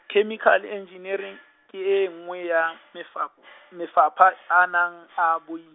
Chemical Engineering, ke e nngwe ya, Mefaph- Mafapha, a nang a bui-.